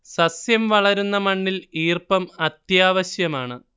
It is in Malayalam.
സസ്യം വളരുന്ന മണ്ണിൽ ഈർപ്പം അത്യാവശ്യമാണ്